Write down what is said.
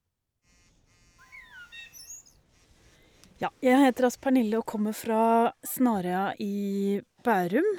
Ja, jeg heter altså Pernille og kommer fra Snarøya i Bærum.